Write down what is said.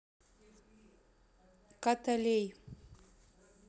каталей